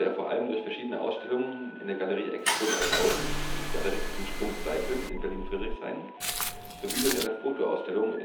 vor allem durch verschiedene Ausstellungen in der Galerie EXPO 3000 des Galeristen Spunk Seipel in Berlin-Friedrichshain sowie durch eine Fotoausstellung